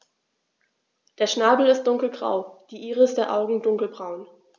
Der Schnabel ist dunkelgrau, die Iris der Augen dunkelbraun.